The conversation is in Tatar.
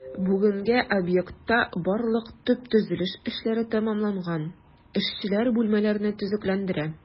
Бүгенгә объектта барлык төп төзелеш эшләре тәмамланган, эшчеләр бүлмәләрне төзекләндерә.